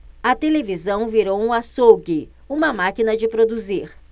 a televisão virou um açougue uma máquina de produzir